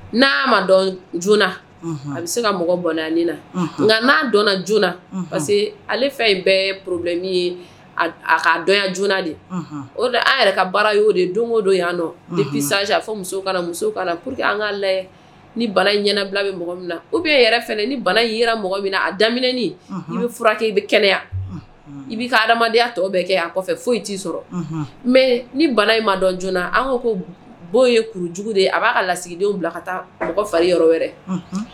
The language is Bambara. N' ma dɔn j a bɛ se ka mɔgɔ bɔnani na nka n' dɔn joona parce que ale fɛn in bɛɛ ye porobi ye a ka dɔn joona de o an yɛrɛ ka bala yo don o dɔ yan muso p an ka ni bala ɲɛnabila bɛ mɔgɔ min na o bɛ yɛrɛ fɛ ni bala mɔgɔ min a i bɛ fura kɛ i bɛ kɛlɛya i' ka adamadenya tɔ bɛ kɛ a foyi t' sɔrɔ mɛ ni bala ma dɔn joona an ko bɔ ye kurujugu de ye a b'a lasigidenw bila ka taa mɔgɔ fa yɔrɔ wɛrɛ